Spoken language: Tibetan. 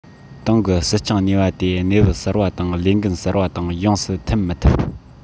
ཏང གི སྲིད སྐྱོང ནུས པ དེ གནས བབ གསར པ དང ལས འགན གསར པ དང ཡོངས སུ མཐུན མི ཐུབ